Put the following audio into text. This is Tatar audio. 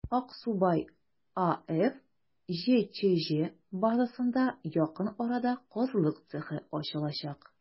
«аксубай» аф» җчҗ базасында якын арада казылык цехы ачылачак.